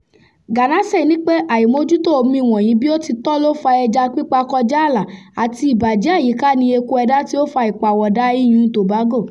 Ganase ní pé àìmójútò omi wọ̀nyí bí ó ti tọ́ ló fa ẹja pípa kọjá àlà àti ìbàjẹ́ àyíká ni eku ẹdá tí ó fa ìpàwọ̀dà iyùn-un Tobago.